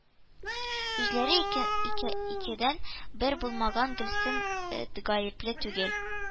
Үзләре икедән бер булалмаганга гөлсем гаепле түгел